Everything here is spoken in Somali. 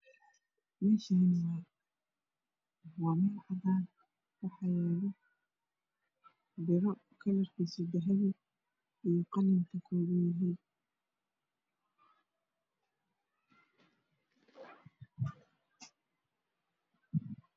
Meshaani waa meel cadana waxaa yalo biro kalarkisu qalin dahabi ka koban yahay